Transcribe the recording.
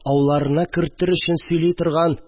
Ауларына кертер өчен сөйли торган